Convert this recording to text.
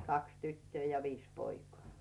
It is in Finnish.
kaksi tyttöä ja viisi poikaa